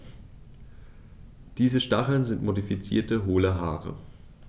Diese Stacheln sind modifizierte, hohle Haare.